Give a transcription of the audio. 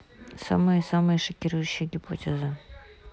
самые самые шокирующие гипотезы